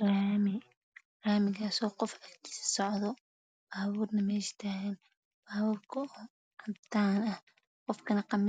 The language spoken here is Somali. Lamida laami kaska qof ag